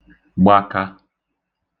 gbākā